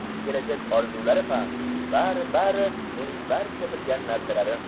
kelajak orzulari ham bari bari mening barcha bilgan narsalarim